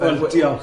Wel, diolch.